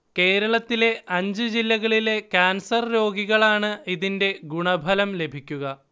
കേരളത്തിലെ അഞ്ച് ജില്ലകളിലെ കാൻസർ രോഗികളാണ് ഇതിന്റെ ഗുണഫലം ലഭിക്കുക